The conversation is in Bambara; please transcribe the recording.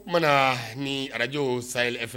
O kumana na ni arajo sa ye e fɛ